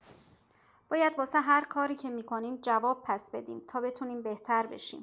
باید واسه هر کاری که می‌کنیم جواب پس بدیم تا بتونیم بهتر بشیم.